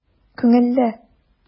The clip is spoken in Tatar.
Күңелле!